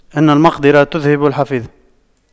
إن المقْدِرة تُذْهِبَ الحفيظة